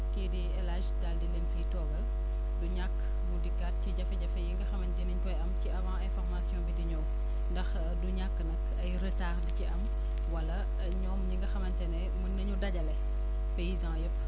kii di El Hadj daal di leen fiy toogal du ñàkk mu dikkaat ci jafe-jafe yi nga xamante nañ koy am ci avant information :fa bi di ñëw ndax du ñàkk nag ay retards di ci am wala ñoom ñi nga xamante ne mun nañu dajale paysans yëpp